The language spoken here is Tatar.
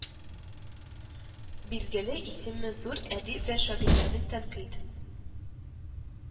Билгеле, исеме зур әдип вә шагыйрьләрнең тәнкыйть